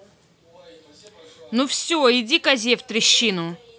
ну все иди козе в трещину